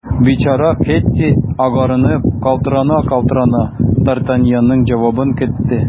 Бичара Кэтти, агарынып, калтырана-калтырана, д’Артаньянның җавабын көтте.